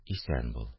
– исән бул.